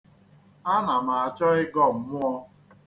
Ana m achọ ịgọ mmụọ.